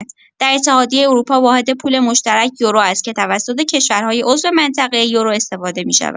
در اتحادیه اروپا واحد پول مشترک یورو است که توسط کشورهای عضو منطقه یورو استفاده می‌شود.